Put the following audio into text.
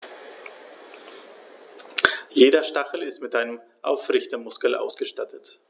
Jeder Stachel ist mit einem Aufrichtemuskel ausgestattet.